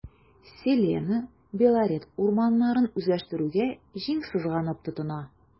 “селена” белорет урманнарын үзләштерүгә җиң сызганып тотына.